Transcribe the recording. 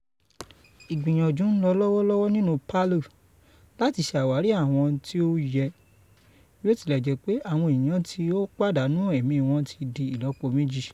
Ìgbiyànjú ń lọ lọ́wọ́lọ́wọ́ nílùú Palu láti ṣe àwárí àwọn tí ó yé bí ó tilẹ̀ jẹ́ pé àwọn ènìyàn tí ó pàdánù ẹ̀mí wọn ti di ìlọ́po méjì